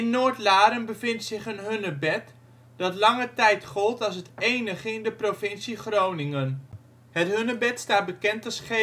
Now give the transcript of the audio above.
Noordlaren bevindt zich een hunebed, dat lange tijd gold als het enige in de provincie Groningen. Het hunebed staat bekend als G1